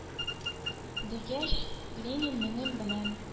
Дигәч, ленин минем белән